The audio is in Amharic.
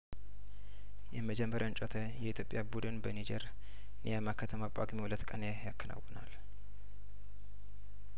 የመጀመሪያውን ጨዋታ የኢትዮጵያ ቡድን በኒጀር ኒያሚ ከተማ ጳጉሜ ሁለት ቀን ያከናውናል